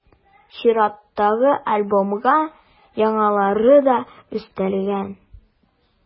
Чираттагы альбомга яңалары да өстәлгән.